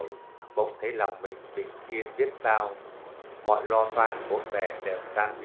bỗng thấy lòng bình yên biết bao mọi lo toan bộn bề đều tan biến